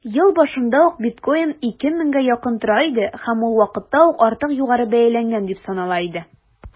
Ел башында ук биткоин 2 меңгә якын тора иде һәм ул вакытта ук артык югары бәяләнгән дип санала иде.